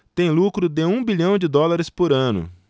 tem lucro de um bilhão de dólares por ano